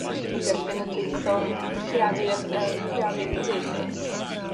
y Llyfyrgell Genedlaethol. M- portreadu'r yym chwiorydd Davis.